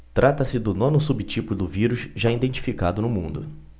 trata-se do nono subtipo do vírus já identificado no mundo